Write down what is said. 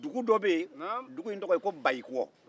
dugu dɔ bɛ yen dugu in tɔgɔ ye ko bayikɔ